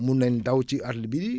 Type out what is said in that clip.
mun nañ daw ci àll bi